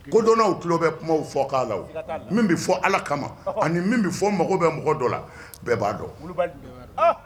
Kodɔnnaw tulo bɛ kumaw fɔkan la o, siga t'a la, min bɛ fɔ Ala kama ani min bɛ fɔ n mago bɛ mɔgɔ dɔ, la bɛɛ b'a dɔn, wulibali don